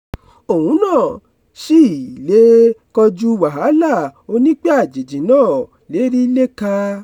Òun náà sì lè kojúu wàhálà, onípè àjèjì náà léríléka.